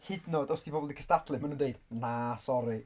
Hyd yn oed os 'di bobl 'di cystadlu maen nhw'n deud "Na sori"!